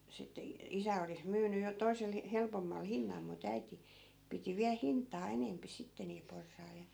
sitten - isä olisi myynyt jo toisella helpommalla hinnalla mutta äiti piti vielä hintaa enempi sitten niillä porsailla ja